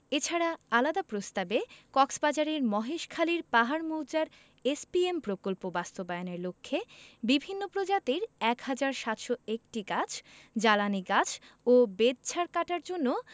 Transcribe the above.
এছাড়া আলাদা প্রস্তাবে কক্সবাজারের মহেশখালীর পাহাড় মৌজার এসপিএম প্রকল্প বাস্তবায়নের লক্ষ্যে বিভিন্ন প্রজাতির ১ হাজার ৭০১টি গাছ জ্বালানি গাছ ও বেতঝাড় কাটার জন্য